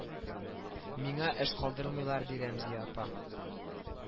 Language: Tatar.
Миңа эш калдырмыйлар ди рәмзия апа